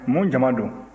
mun jama don